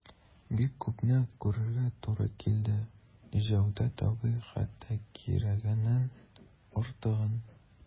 Бик күпне күрергә туры килде, Җәүдәт абый, хәтта кирәгеннән артыгын...